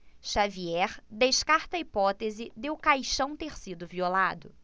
xavier descarta a hipótese de o caixão ter sido violado